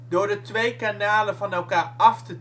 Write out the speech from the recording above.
Door de twee kanalen van elkaar af te